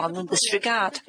on this regard.